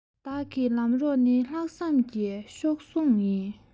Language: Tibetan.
བདག གི ལམ གྲོགས ནི ལྷག བསམ གྱི གཤོག ཟུང ཡིན